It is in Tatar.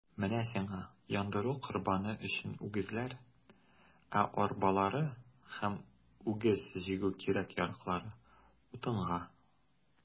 Менә сиңа яндыру корбаны өчен үгезләр, ә арбалары һәм үгез җигү кирәк-яраклары - утынга.